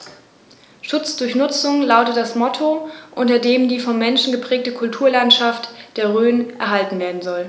„Schutz durch Nutzung“ lautet das Motto, unter dem die vom Menschen geprägte Kulturlandschaft der Rhön erhalten werden soll.